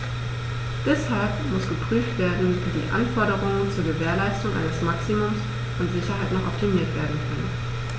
Deshalb muss geprüft werden, wie die Anforderungen zur Gewährleistung eines Maximums an Sicherheit noch optimiert werden können.